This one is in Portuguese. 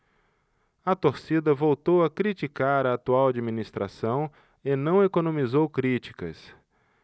a torcida voltou a criticar a atual administração e não economizou críticas